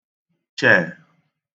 chẹ̀